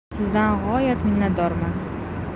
sizdan g'oyat minnatdorman